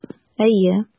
Әйе.